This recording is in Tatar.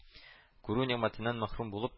Күрү нигъмәтеннән мәхрүм булып